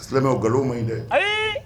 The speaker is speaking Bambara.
Al silamɛw nkalon maɲi dɛ Ayii !